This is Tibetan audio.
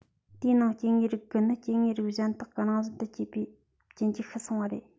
དེའི ནང སྐྱེ དངོས རིགས དགུ ནི སྐྱེ དངོས རིགས གཞན དག རང བཞིན དུ སྐྱེས པའི རྐྱེན གྱིས ཤི སོང བ རེད